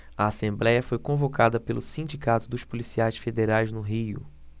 a assembléia foi convocada pelo sindicato dos policiais federais no rio